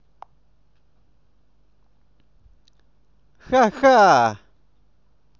хаха